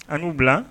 An'u bila